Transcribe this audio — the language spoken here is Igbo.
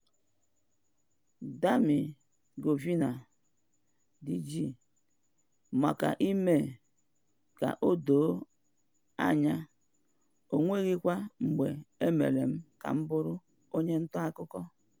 Damy Govina (DG): Maka ịme ka o doo anya, enwghịkwa mgbe emere m ka m bụrụ onye nta akụkọ.